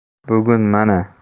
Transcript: bugun mana